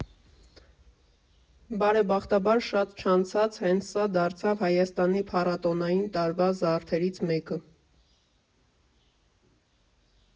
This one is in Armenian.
Բարեբախտաբար, շատ չանցած հենց սա դարձավ Հայաստանի փառատոնային տարվա զարդերից մեկը։